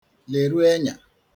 leru ēnyā